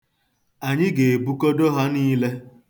Anyị ga-ebukọdo ha niile.